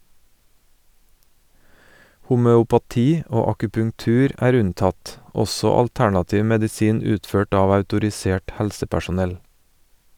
Homøopati og akupunktur er unntatt, også alternativ medisin utført av autorisert helsepersonell.